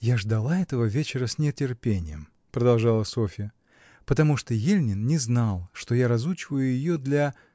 — Я ждала этого вечера с нетерпением, — продолжала Софья, — потому что Ельнин не знал, что я разучиваю ее для.